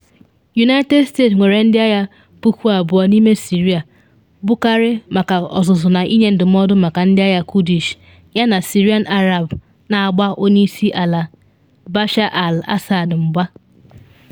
United States nwere ndị agha 2,000 n’ime Syria, bụkarị maka ọzụzụ na ịnye ndụmọdụ maka ndị agha Kurdish yana Syrian Arabs na agba Onye Isi Ala Bashar al-Assad mgba.